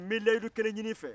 n bɛ layidu kele ɲini i fɛ